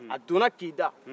a dona k'i da